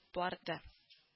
Барды